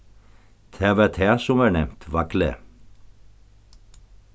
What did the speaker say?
tað var tað sum varð nevnt vaglið